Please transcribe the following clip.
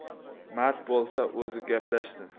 mard bo'lsa o'zi gaplashsin